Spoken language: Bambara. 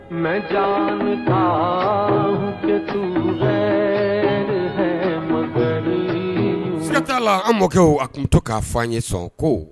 Mɛ mɔ s t'a la an mɔkɛ a tun to k'a fɔ an ye sɔn ko